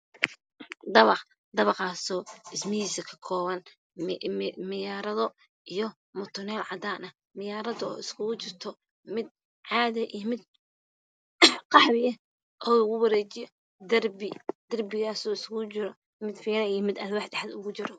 Dabaq shismahiia ka kooban miyaardo mituleel cadaan qaxwi alwaax dhaxda ooga jiro